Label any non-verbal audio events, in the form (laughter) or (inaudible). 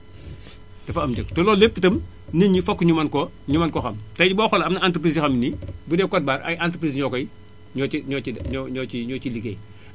(blows air) dafa am njëg te loolu lépp itam (noise) nit ñu fokk ñu mën koo ñu mën ko xam tay boo xoolee am na entreprise yoo xam ne nii (noise) bu dee code barre ay entreprises ñoo koy ñoo ciy ñoo ciy ñoo ciy liggéey